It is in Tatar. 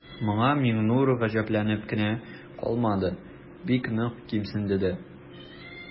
Моңа Миңнур гаҗәпләнеп кенә калмады, бик нык кимсенде дә.